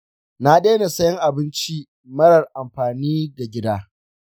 na daina sayen abinci marar amfani ga gida.